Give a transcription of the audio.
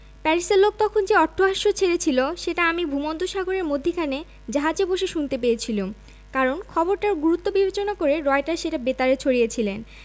প্যারিসের লোক তখন যে অট্টহাস্য ছেড়েছিল সেটা আমি ভূমধ্যসাগরের মধ্যিখানে জাহাজে বসে শুনতে পেয়েছিলুম কারণ খবরটার গুরুত্ব বিবেচনা করে রয়টার সেটা বেতারে ছড়িয়েছিলেন